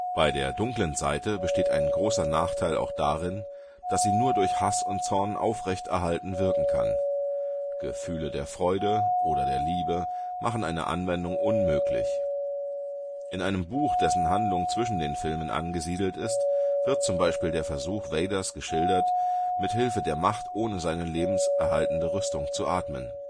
Bei der dunklen Seite besteht ein großer Nachteil auch darin, dass sie nur durch Hass und Zorn aufrecht erhalten wirken kann. Gefühle der Freude oder der Liebe machen eine Anwendung unmöglich. In einem Buch, dessen Handlung zwischen den Filmen angesiedelt ist, wird z.B. der Versuch Vaders geschildert, mit Hilfe der Macht ohne seine lebenserhaltende Rüstung zu atmen